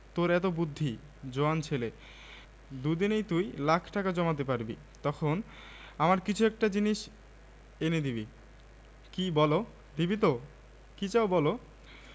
কৌটা থেকে ঔষধ বের করে নানার হাতে দিল নানা বেঁচে থাকো বুবু অনেকগুলো ভালো কাজ করেছ আজ শরিফা খুশি হয়ে নানাকে জড়িয়ে ধরল সংগৃহীত জাতীয় শিক্ষাক্রম ও পাঠ্যপুস্তক বোর্ড বাংলা বই এর অন্তর্ভুক্ত